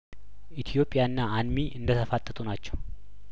ኢትዮጵያና አንሚ እንደተፋጠጡ ናቸው